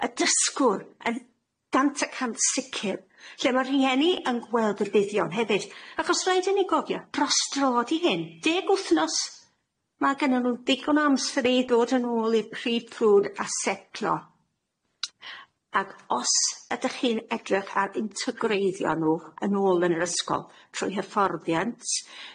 y dysgwr yn gant y cant sicir, lle ma' rhieni yn gweld y buddion hefyd achos rhaid i ni gofio dros dro 'di hyn, deg wthnos ma' gynno n'w ddigon o amser i ddod yn ôl i'r prif ffrwd a setlo ag os ydych chi'n edrych ar integreiddio n'w yn ôl yn yr ysgol trwy hyfforddiant